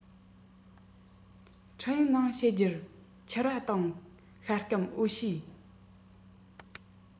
འཕྲིན ཡིག ནང བཤད རྒྱུར ཕྱུར ར དང ཤ སྐམ འོ ཕྱེ